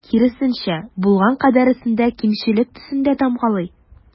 Киресенчә, булган кадәресен дә кимчелек төсендә тамгалый.